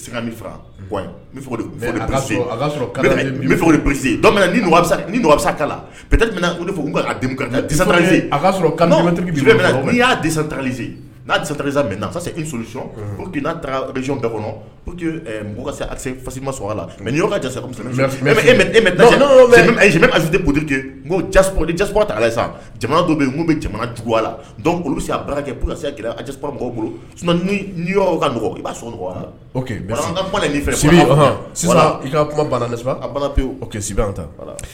'a bɛɛsi ma so la mɛ ka cɛ mɛ ese ta sisan dɔ bɛ yen bɛ jamana jugu a la kɛ bolo ka i'a fɛ i ka kuma banna ta